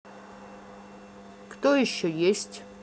кто еще есть